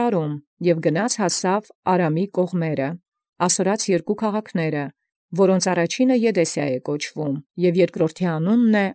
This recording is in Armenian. Հայոց, և երթեալ հասանէր ի կողմանս Արամի՝ ի քաղաքս երկուս Ասորոց. որոց առաջինն Եդեսիա կոչի, և երկրորդին Ամիդ անուն։